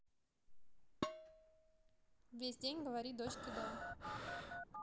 весь день говори дочки да